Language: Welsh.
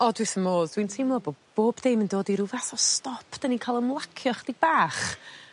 O dwi wth 'ym modd dwi'n teimlo bo bob dim yn dod i ryw fath o stop 'dyn ni'n ca'l ymlacio chdig bach.